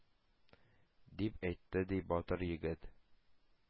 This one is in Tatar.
— дип әйтте, ди, батыр егет.